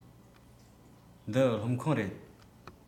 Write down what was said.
འདི སློབ ཁང རེད